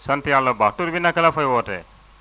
sant yàlla bu baax tur bi naka la ak fooy wootee